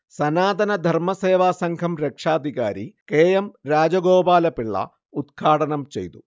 സനാതന ധർമസേവാസംഘം രക്ഷാധികാരി K M Rajagopalapillai ഉദ്ഘാടനം ചെയ്തു